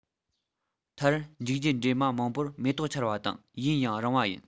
མཐར མཇུག རྒྱུད འདྲེས མ མང པོར མེ ཏོག འཆར པ དང ཡུན ཡང རིང བ ཡིན